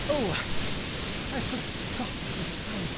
Oh I've forgotten it's time.